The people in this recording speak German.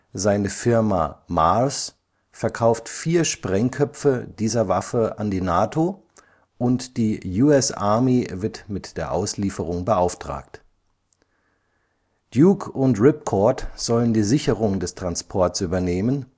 Seine Firma MARS verkauft vier Sprengköpfe dieser Waffe an die NATO, und die US Army wird mit der Auslieferung beauftragt. Duke und Ripcord sollen die Sicherung des Transports übernehmen